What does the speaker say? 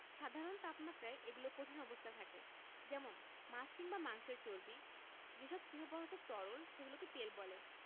সাধারণ তাপমাত্রায় এগুলো কঠিন অবস্থায় থাকে যেমন মাছ কিংবা মাংসের চর্বি যেসব স্নেহ পদার্থ তরল সেগুলোকে তেল বলে